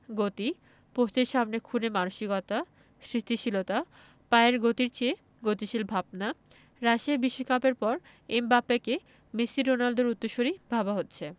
গতি পোস্টের সামনে খুনে মানসিকতা সৃষ্টিশীলতা পায়ের গতির চেয়েও গতিশীল ভাবনা রাশিয়া বিশ্বকাপের পর এমবাপ্পেকে মেসি রোনালদোদের উত্তরসূরিই ভাবা হচ্ছে